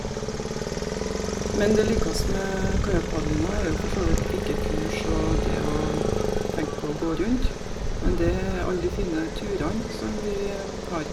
Men det likast med kajakkpadlinga er jo forsåvidt ikke kurs og det å t tenke på å gå rundt, men det er alle de fine turene som vi har.